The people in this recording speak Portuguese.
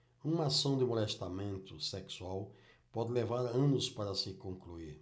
uma ação de molestamento sexual pode levar anos para se concluir